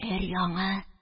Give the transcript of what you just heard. Өр-яңы...